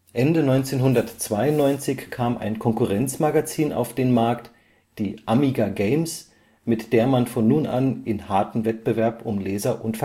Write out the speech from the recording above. Ende 1992 kam ein Konkurrenz-Magazin auf den Markt, die Amiga Games, mit der man von nun an in harten Wettbewerb um Leser und